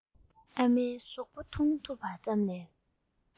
ཨ མའི གཟུགས པོ མཐོང ཐུབ པ ཙམ ལས